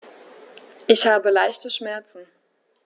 Ich habe leichte Schmerzen.